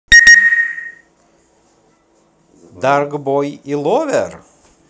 dark boy и lover